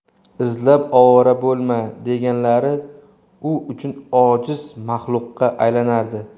izlab ovora bo'lma deganlar u uchun ojiz maxluqqa aylanardi